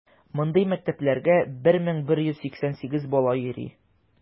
Мондый мәктәпләргә 1188 бала йөри.